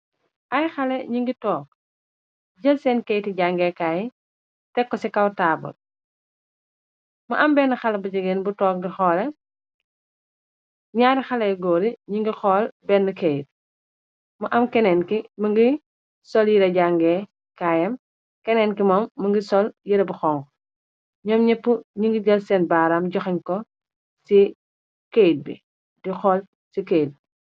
Ay xale nogi toog jël seen keyti jangeekaayi tekko ci kaw taabul mu am benn xale bu jegéen bu toog di xoole ñaari xalay góore ñi ngi xool benn keyt mu am keneen ki më ngi sol yira jangee kaayam keneen ki moom mogi sol yëre bu xona ñoom ñépp ñi ngi jël seen baaraam joxuñ ko ci keyt bi di xool ci keyt bi.